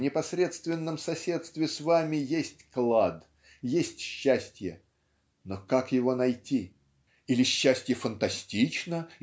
в непосредственном соседстве с вами есть клад есть счастье но как его найти? Или счастье фантастично?